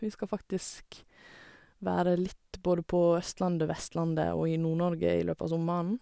Vi skal faktisk være litt både på Østlandet, Vestlandet og i Nord-Norge i løpet av sommeren.